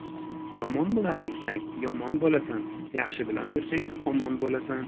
yomon bilan yursang yomon boiasan yaxshi bilan yursang omon boiasan